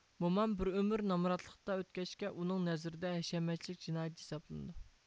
مومام بىر ئۆمۈر نامراتلىقتا ئۆتكەچكە ئۇنىڭ نەزىرىدە ھەشەمەتچىلىك جىنايەت ھېسابلىنىدۇ